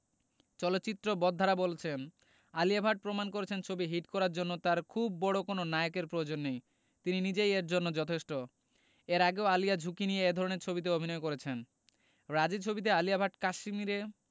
চলচ্চিত্র বোদ্ধারা বলছেন আলিয়া ভাট প্রমাণ করেছেন ছবি হিট করার জন্য তার খুব বড় কোনো নায়কের প্রয়োজন নেই তিনি নিজেই এর জন্য যথেষ্ট এর আগেও আলিয়া ঝুঁকি নিয়ে এ ধরনের ছবিতে অভিনয় করেছেন রাজী ছবিতে আলিয়া ভাট কাশ্মীরে